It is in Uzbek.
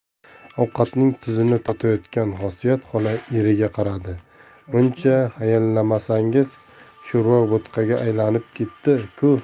ovqatning tuzini totayotgan xosiyat xola eriga qaradi muncha hayallamasangiz sho'rva bo'tqaga aylanib ketdi ku